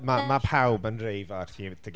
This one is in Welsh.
Ma', ma' pawb yn reifio am Theatr Gen...